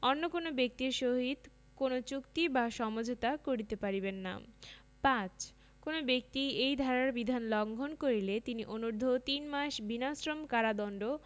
অন্য কোন ব্যক্তির সহিত কোনো চুক্তি বা সমঝোতা করিতে পারিবেন না ৫ কোন ব্যক্তি এই ধারার বিধান লংঘন করিলে তিনি অনুর্ধ্ব তিনমাস বিনাশ্রম কারদন্ড